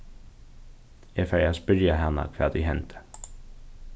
eg fari at spyrja hana hvat ið hendi